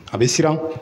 A bɛ siran